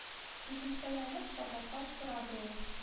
Түземсәләнеп, кабатлап сорады ул: